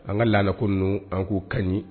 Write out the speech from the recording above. An' ŋa lala ko ninnu an' k'u kaɲi